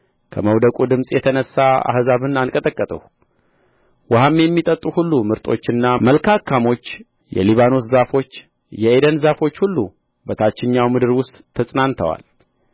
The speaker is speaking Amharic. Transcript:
ከመውደቁ ድምፅ የተነሣ አሕዛብን እንቀጠቀጥሁ ውኃም የሚጠጡ ሁሉ ምርጦችና መልካካሞች የሊባኖስ ዛፎች የዔድን ዛፎች ሁሉ በታችኛው ምድር ውስጥ ተጽናንተዋል